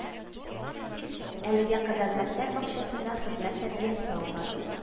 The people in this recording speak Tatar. Әлегә кадәр мәктәп бакчасында хезмәт тәрбиясе алган